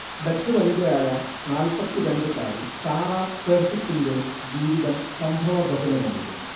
Dutch വനിതയായ നാല്പ്പത്തിരണ്ട്കാരി Sarah ഫേർസിത്തിന്റെ ജീവിതം സംഭവബഹുലമായിരുന്നു